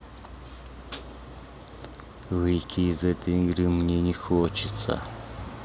выйти из этой игры мне не хочется